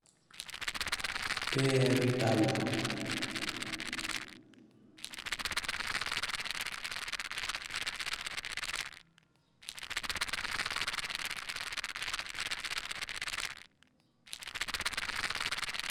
Peeri dalle